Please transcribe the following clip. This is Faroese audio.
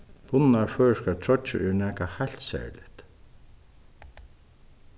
bundnar føroyskar troyggjur eru nakað heilt serligt